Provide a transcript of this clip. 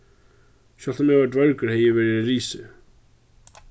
sjálvt um eg var dvørgur hevði eg verið ein risi